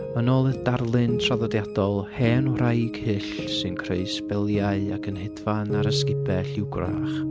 Yn ôl y darlun traddodiadol hen wraig hyll sy'n creu sbeliau ac yn hedfan ar ysgubell yw gwrach.